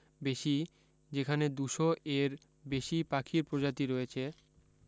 বেশী যেখানে দুশো এর বেশী পাখির প্রজাতি রয়েছে